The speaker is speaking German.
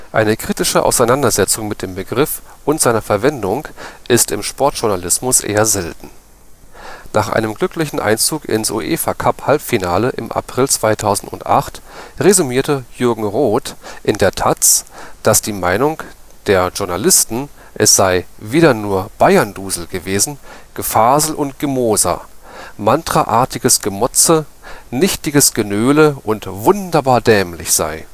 Eine kritische Auseinandersetzung mit dem Begriff und seiner Verwendung ist im Sportjournalismus eher selten. Nach einem glücklichen Einzug ins UEFA-Cup-Halbfinale im April 2008 resümierte Jürgen Roth in der taz, dass die Meinung „ der Journalisten “, es sei „ wieder nur Bayerndusel “gewesen, „ Gefasel und Gemoser “,„ mantraartiges Gemotze “,„ nichtiges Genöle “und „ wunderbar dämlich “sei